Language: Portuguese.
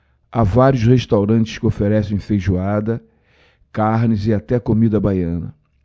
há vários restaurantes que oferecem feijoada carnes e até comida baiana